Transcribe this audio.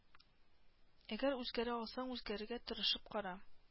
Әгәр үзгәрә алсаң үзгәрергә тырышып кара